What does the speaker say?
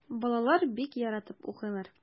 Балалар бик яратып укыйлар.